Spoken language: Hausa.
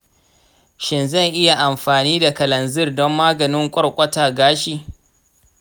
shin zan iya amfani da kalanzir don maganin ƙwarƙwata gashi?